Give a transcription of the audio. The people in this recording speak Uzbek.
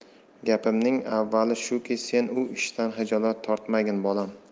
gapimning avvali shuki sen u ishdan xijolat tortmagin bolam